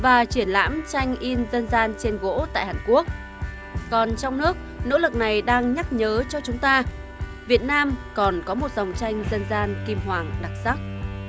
và triển lãm tranh in dân gian trên gỗ tại hàn quốc còn trong nước nỗ lực này đang nhắc nhớ cho chúng ta việt nam còn có một dòng tranh dân gian kim hoàng đặc sắc